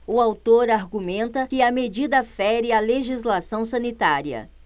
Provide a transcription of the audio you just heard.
o autor argumenta que a medida fere a legislação sanitária